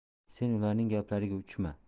sen ularning gaplariga uchma